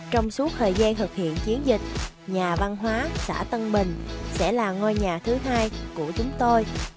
trong suốt thời gian thực hiện chiến dịch nhà văn hóa xã tân bình sẽ là ngôi nhà thứ của chúng tôi